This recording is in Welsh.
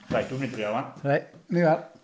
Reit, dwi'n mynd i drio 'wan... Reit, ni weld.